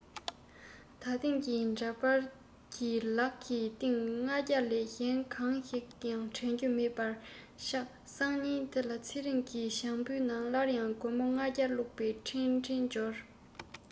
ད ཐེངས ཀྱི འདྲ པར གྱི ལག གི སྟངས ལྔ བརྒྱ ལས གཞན གང ཞིག ཡང དྲན རྒྱུ མེད པར ཆག སང ཉིན དེ ལ ཚེ རིང གི བྱང བུའི ནང སླར ཡང སྒོར མོ ལྔ བརྒྱ བླུག པའི འཕྲིན ཕྲན འབྱོར